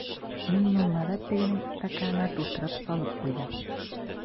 Миңнулла да тегенең стаканына тутырып салып куйды.